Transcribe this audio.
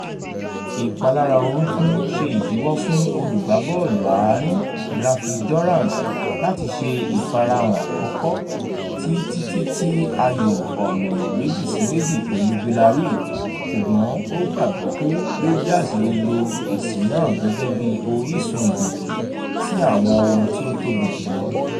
Ìpalára orúkún ṣe ìdíwọ́ fún olùgbábọ́ọ̀lù àárín Grafield Dorrans lát ṣe ìfarahàn àkọ́kọ́ tí títí tí ayò ọ̀mìnì 2-2 pẹ̀lú Villarreal ṣùgbọ́n ó gbàgbó pé Rangers lè lo èsì náà gẹ́gẹ́ bí orísun ìgùnkè sí àwọn ohun tí ó tóbi jùlọ.